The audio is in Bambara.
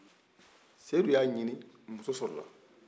seyidu y'a ɲini muso sɔrɔ la